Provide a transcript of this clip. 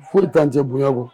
Folitan cɛ bonyago